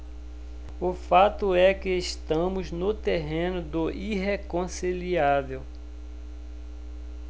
o fato é que estamos no terreno do irreconciliável